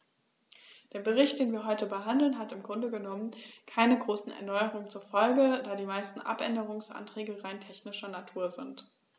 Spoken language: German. Der Bericht, den wir heute behandeln, hat im Grunde genommen keine großen Erneuerungen zur Folge, da die meisten Abänderungsanträge rein technischer Natur sind.